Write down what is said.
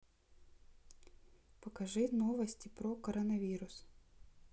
покажи новости про коронавирус